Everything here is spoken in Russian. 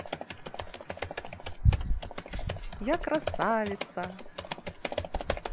я красавица